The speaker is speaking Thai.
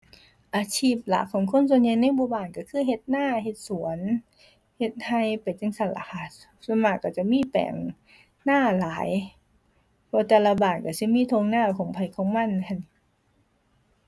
อาชีพหลักของคนส่วนใหญ่ในหมู่บ้านก็คือ เฮ็ดนา เฮ็ดสวน เฮ็ดก็ไปจั่งซั้นล่ะค่ะ ส่วนมากก็จะมีแปลงนาหลาย เพราะแต่ละบ้านก็สิมีก็นาของไผของมันหั้น